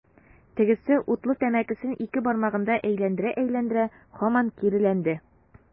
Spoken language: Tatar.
Тегесе, утлы тәмәкесен ике бармагында әйләндерә-әйләндерә, һаман киреләнде.